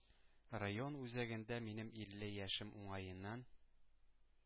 Район үзәгендә минем илле яшем уңаеннан